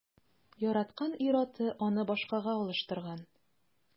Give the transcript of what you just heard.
Яраткан ир-аты аны башкага алыштырган.